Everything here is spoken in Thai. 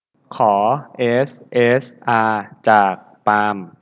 ขอเอสเอสอาจากปาล์ม